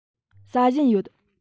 ཟ བཞིན ཡོད